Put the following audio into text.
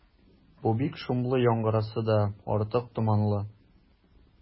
Бу бик шомлы яңгыраса да, артык томанлы.